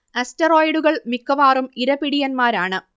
അസ്റ്ററോയ്ഡുകൾ മിക്കവാറും ഇരപിടിയന്മാരാണ്